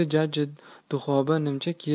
jajji duxoba nimcha kiyib